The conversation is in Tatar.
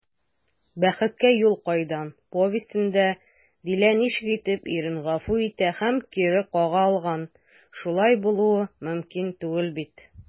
«бәхеткә юл кайдан» повестенда дилә ничек итеп ирен гафу итә һәм кире кага алган, шулай булуы мөмкин түгел бит?»